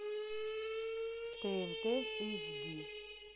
тнт эйч ди